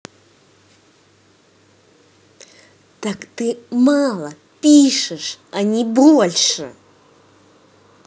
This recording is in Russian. ты так мало пишешь а не больше